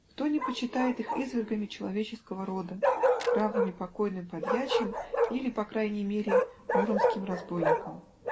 Кто не почитает их извергами человеческого рода, равными покойным подьячим или по крайней мере муромским разбойникам?